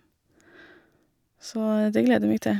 Så det gleder jeg meg til.